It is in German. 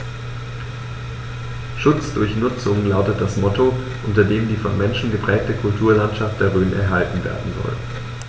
„Schutz durch Nutzung“ lautet das Motto, unter dem die vom Menschen geprägte Kulturlandschaft der Rhön erhalten werden soll.